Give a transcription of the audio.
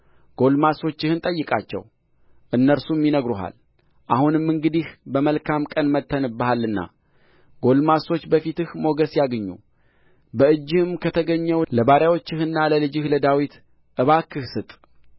ጕልማሶችህን ጠይቃቸው እነርሱም ይነግሩሃል አሁንም እንግዲህ በመልካም ቀን መጥተንብሃልና ጕልማሶች በፊትህ ሞገስ ያግኙ በእጅህም ከተገኘው ለባሪያዎችህና ለልጅህ ለዳዊት እባክህ ስጥ